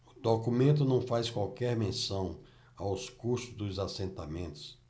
o documento não faz qualquer menção aos custos dos assentamentos